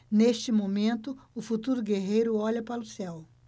neste momento o futuro guerreiro olha para o céu